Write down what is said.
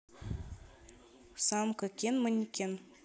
самка кен манекен